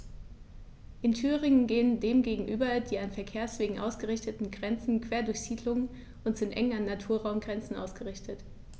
In Thüringen gehen dem gegenüber die an Verkehrswegen ausgerichteten Grenzen quer durch Siedlungen und sind eng an Naturraumgrenzen ausgerichtet.